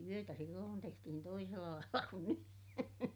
mutta työtä silloin tehtiin toisella lailla kuin nyt